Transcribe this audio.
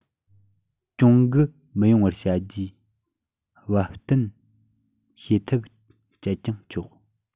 གྱོང གུན མི ཡོང བར བྱ རྒྱུའི བབ མཐུན བྱེད ཐབས སྤྱད ཀྱང ཆོག